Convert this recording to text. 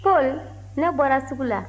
paul ne bɔra sugu la